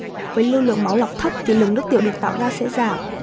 với lưu lượng máu lọc thấp thì lượng nước tiểu được tạo ra giảm